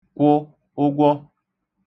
kwụ ụgwọ